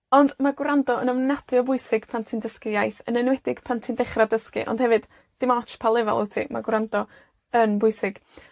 Ond ma' gwrando yn ofnadwy o bwysig pan ti'n dysgu iaith, yn enwedig pen ti'n dechra dysgu, ond hefyd, dim ots pa lefal wt ti, ma' gwrando yn bwysig,